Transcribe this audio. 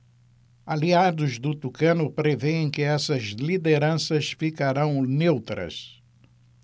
aliados do tucano prevêem que essas lideranças ficarão neutras